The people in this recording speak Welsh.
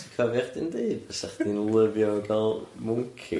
Ti'n cofio chdi'n deud fysa chdi'n lyfio ca'l mwnci?